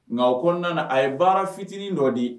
Nga o kɔnɔna la a ye baara fitinin dɔ di.